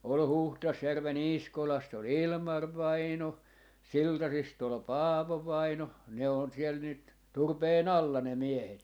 oli Huhdasjärven Iiskolasta oli Ilmari-vainaja Siltasista oli Paavo-vainaja ne on siellä nyt turpeen alla ne miehet